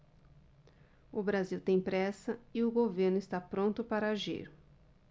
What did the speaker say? o brasil tem pressa e o governo está pronto para agir